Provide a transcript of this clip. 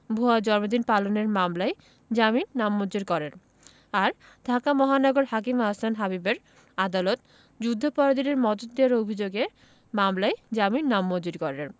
ভুয়া জন্মদিন পালনের মামলায় জামিন নামঞ্জুর করেন আর ঢাকা মহানগর হাকিম আহসান হাবীবের আদালত যুদ্ধাপরাধীদের মদদ দেওয়ার অভিযোগের মামলায় জামিন নামঞ্জুর করেন